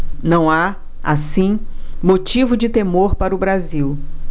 não há assim motivo de temor para o brasil